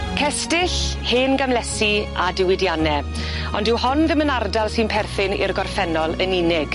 Cestyll hen gamlesi a diwydianne ond dyw hon ddim yn ardal sy'n perthyn i'r gorffennol yn unig.